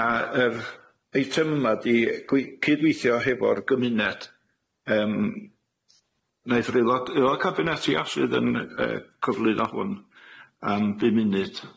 A yr eitem yma ydi gwe- cydweithio hefo'r gymuned yym wnaiff yr aelod aelod cabinet ia, sydd yn yy cyflwyno hwn am bum munud.